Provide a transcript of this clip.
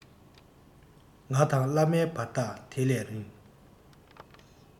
ང དང བླ མའི བར ཐག དེ ལས རིང